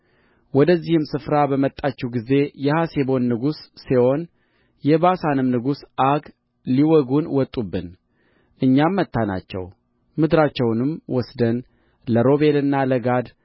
ወደዚህም ስፍራ በመጣችሁ ጊዜ የሐሴቦን ንጉሥ ሴዎን የባሳንም ንጉስ ዐግ ሊወጉን ወጡብን እኛም መታናቸው ምድራቸውንም ወስደን ለሮቤልና ለጋድ